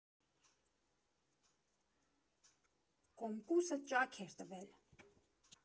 Կոմկուսը ճաք էր տվել։